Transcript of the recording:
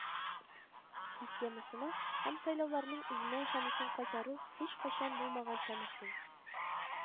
Системасына һәм сайлауларның үзенә ышанычын кайтару һичкайчан булмаганча мөһим